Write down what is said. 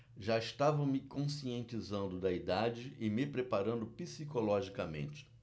já estava me conscientizando da idade e me preparando psicologicamente